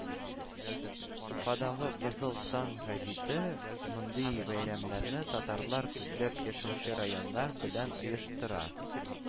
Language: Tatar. Уфадагы “Кызыл таң” гәзите мондый бәйрәмнәрне татарлар күпләп яшәүче районнар белән оештыра